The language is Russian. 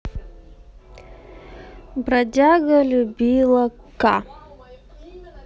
бродяга любила ка